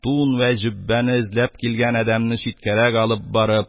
Тун вә җөббәне эзләп килгән адәмне читкәрәк алып барып,